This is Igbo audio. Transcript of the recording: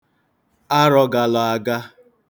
arọ galụ aga